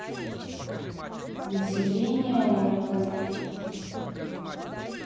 население лондона